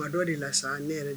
Ma dɔ de la ne yɛrɛ